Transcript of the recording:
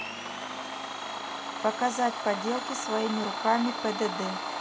показать поделки своими руками пдд